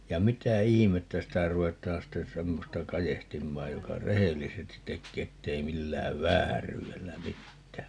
ja mitä ihmettä sitä ruvetaan sitten semmoista kadehtimaan joka rehellisesti tekee että ei millään vääryydellä mitään